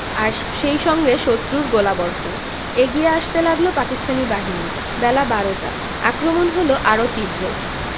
আর সেই সঙ্গে শত্রুর গোলাবর্ষণ এগিয়ে আসতে লাগল পাকিস্তানি বাহিনী বেলা বারোটা আক্রমণ হলো আরও তীব্র